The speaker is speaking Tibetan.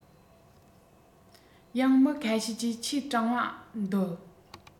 ཡང མི ཁ ཤས ཀྱིས ཁྱེད སྤྲིངས པ འདོད